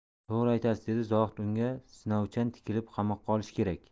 to'g'ri aytasiz dedi zohid unga sinovchan tikilib qamoqqa olish kerak